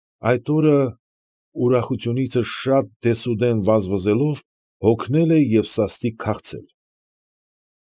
Այդ օրն ուրախութենիցս շատ դես ու դեն վազվզելով, հոգնել էի և սաստիկ քաղցել։